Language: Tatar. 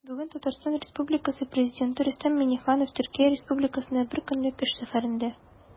Бүген Татарстан Республикасы Президенты Рөстәм Миңнеханов Төркия Республикасында бер көнлек эш сәфәрендә.